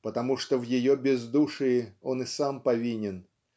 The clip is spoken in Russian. потому что в ее бездушии он и сам повинен